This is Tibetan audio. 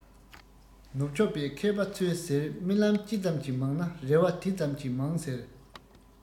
ནུབ ཕྱོགས པའི མཁས པ ཚོས ཟེར རྨི ལམ ཅི ཙམ གྱིས མང ན རེ བ དེ ཙམ གྱིས མང ཟེར